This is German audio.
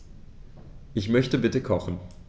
Ich möchte bitte kochen.